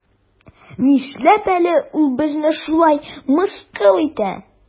Нишләп әле ул безне шулай мыскыл итә?